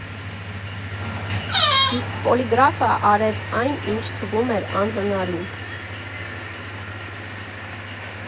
Իսկ Պոլիգրաֆը արեց այն, ինչ թվում էր անհնարին։